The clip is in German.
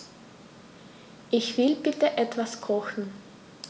Ich will bitte etwas kochen.